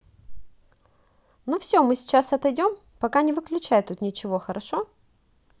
ну все мы сейчас отойдем пока не выключай тут ничего хорошо